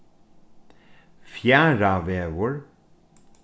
fjarðavegur